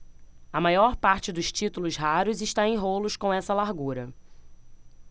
a maior parte dos títulos raros está em rolos com essa largura